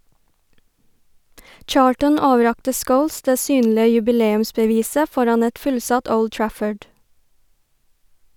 Charlton overrakte Scholes det synlige jubileumsbeviset foran et fullsatt Old Trafford.